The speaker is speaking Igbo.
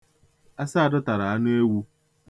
Asadụ tara anụewu.